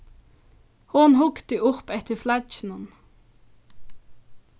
hon hugdi upp eftir flagginum